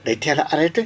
day teel a arrêté